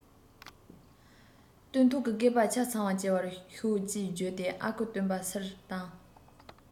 ལོ ན དེ ཙམ ལ སླེབས དུས རང རྟོགས རང བཞིན ཡོད དགོས ཀྱི རེད